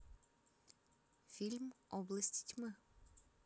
фильм области тьмы